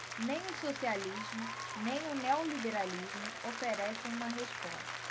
nem o socialismo nem o neoliberalismo oferecem uma resposta